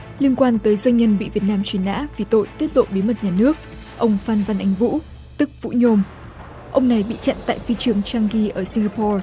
liên quan tới doanh nhân bị việt nam truy nã vì tội tiết lộ bí mật nhà nước ông phan văn anh vũ tức vũ nhôm ông này bị chặn tại phi trường chan gi ở sinh ga po